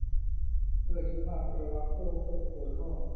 เมื่ออายุมากระวังพวกโรคปวดข้อ